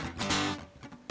hôm